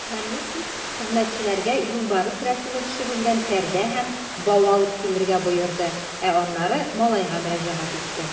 Наместник хезмәтчеләргә юлбарыс рәсеме төшерелгән пәрдә һәм бау алып килергә боерды, ә аннары малайга мөрәҗәгать итте.